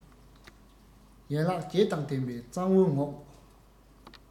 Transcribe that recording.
ཡན ལག བརྒྱད དང ལྡན པའི གཙང བོའི ངོགས